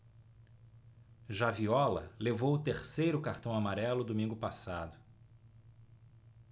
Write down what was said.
já viola levou o terceiro cartão amarelo domingo passado